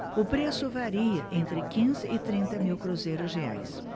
o preço varia entre quinze e trinta mil cruzeiros reais